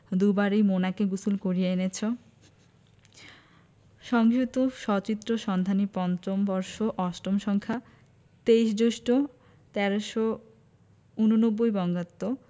দুবারই মোনাকে গোসল করিয়ে এনেছো সংগৃহীত সচিত্র সন্ধানী৫ম বর্ষ ৮ম সংখ্যা ২৩ জ্যৈষ্ঠ ১৩৮৯ বঙ্গাব্দ